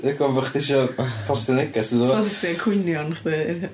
Rhag ofn bo' chdi isio postio neges iddo fo... Postio cwynion chdi.